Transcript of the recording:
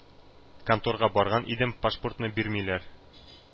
Конторга барган идем, пашпуртны бирмиләр.